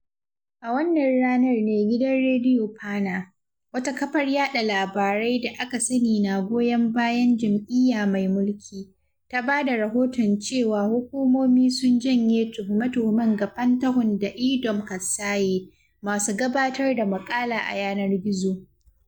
A wannan ranar ne gidan Radio FANA, wata kafar yaɗa labarai da aka sani na goyon bayan jam’iyya mai mulki, ta ba da rahoton cewa hukumomi sun janye tuhume-tuhumen ga Fantahun da Edom Kassaye, masu gabatar da maƙala a yanar gizo.